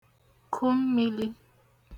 ku mmīlī